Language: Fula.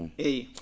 eeyi